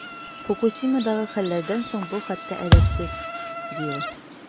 Фукусимадагы хәлләрдән соң бу хәтта әдәпсез, ди ул.